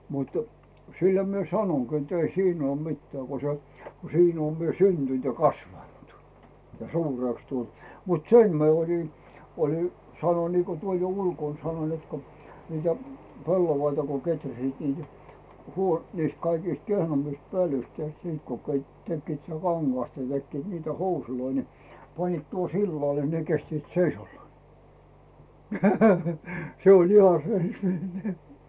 mutta sillä minä sanonkin että ei siinä olen mitään kun se kun siinä olen minä syntynyt ja kasvanut ja suureksi tullut mutta sen minä olin olin sanoin niin kuin tuolla jo ulkona sanoin että kun niitä pellavia kun kehräsivät niitä - niistä kaikista kehnoimmista pölyistä tehtiin sitten kun - tekivät sitä kangasta ne tekivät niitä housuja niin panivat tuohon sillalle ne kestivät seisaallaan se oli ihan -